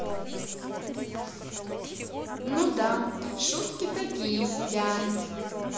ну да шутки такие себя